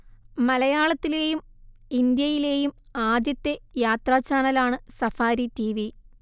മലയാളത്തിലെയും ഇന്ത്യയിലെയും ആദ്യത്തെ യാത്രാചാനലാണ് സഫാരി ടിവി